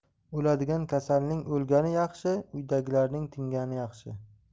o'ladigan kasalning o'lgani yaxshi uydagilarning tingani yaxshi